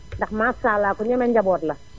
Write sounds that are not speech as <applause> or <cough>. <noise> ndax maasàllaa ku ñeme njaboot la